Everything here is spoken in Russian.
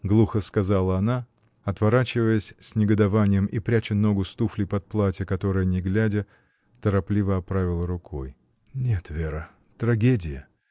— глухо сказала она, отворачиваясь с негодованием и пряча ногу с туфлей под платье, которое, не глядя, торопливо оправила рукой. — Нет, Вера, — трагедия!